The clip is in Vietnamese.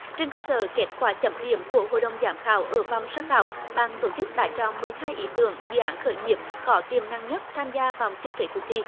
trên cơ sở kết quả chấm điểm của hội đồng giám khảo ở vòng sơ khảo ban tổ chức đã chọn mười hai ý tưởng dự án khởi nghiệp có tiềm năng nhất tham gia vòng chung kết cuộc thi